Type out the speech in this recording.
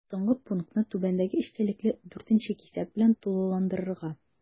Соңгы пунктны түбәндәге эчтәлекле 4 нче кисәк белән тулыландырырга.